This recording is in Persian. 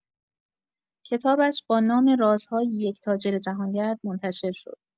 کتابش با نام"رازهای یک تاجر جهانگرد"منتشر شد.